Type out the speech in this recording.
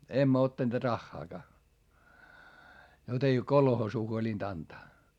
emme ottaneet rahaakaan jota ei kolhoosiin huolinut antaa